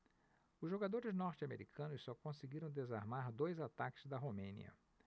os jogadores norte-americanos só conseguiram desarmar dois ataques da romênia